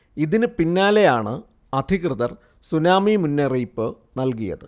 ഇതിന് പിന്നാലെയാണ് അധികൃതർ സുനാമി മുന്നറിയിപ്പ് നൽകിയത്